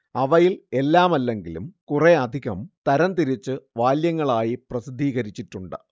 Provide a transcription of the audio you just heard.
അവയിൽ എല്ലാമല്ലെങ്കിലും കുറേയധികം തരംതിരിച്ച് വാല്യങ്ങളായി പ്രസിദ്ധീകരിച്ചിട്ടുണ്ട്